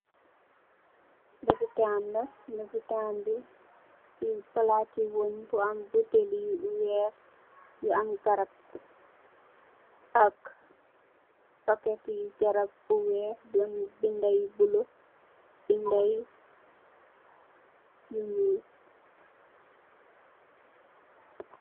Fi lopitan la lopitan bi fi palati weng bu am boltali weer yu am garag ak paketi garab bu weex bun binda yu bulo binda bu nuul.